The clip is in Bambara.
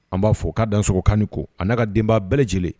An b'a fɔ k kaa dankan ko a ka denba bɛɛ lajɛlen